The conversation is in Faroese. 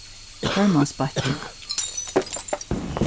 tormansbakki